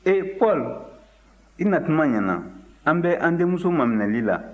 ee paul i natuma ɲana an bɛ an denmuso maminɛli la